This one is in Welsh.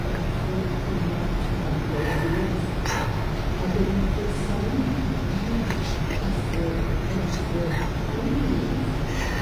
yr athro Rheinallt Nantlais Williams, ac o'dd e'n croesawu 'i gyd athro yr athro Harry Williams,